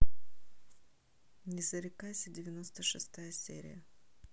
не зарекайся девяносто шестая серия